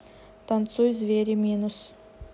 танцуй звери минус